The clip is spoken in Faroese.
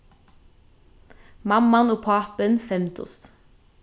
mamman og pápin fevndust